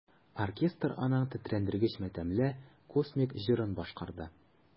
Оркестр аның тетрәндергеч матәмле космик җырын башкарды.